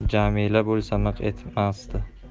jamila bo'lsa miq etmasdi